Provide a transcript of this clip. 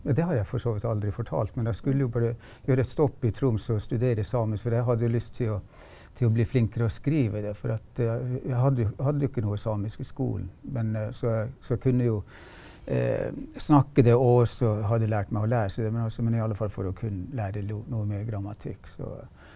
ja det har jeg for så vidt aldri fortalt men jeg skulle jo bare gjøre et stopp i Tromsø og studere samisk for jeg hadde lyst til å til å bli flinkere å skrive det for at jeg hadde jo hadde jo ikke noe samisk i skolen men så så kunne jo snakke det og så hadde lært meg å lese det men altså men i alle fall for å kunne lære noe mer grammatikk så.